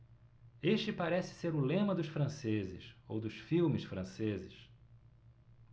este parece ser o lema dos franceses ou dos filmes franceses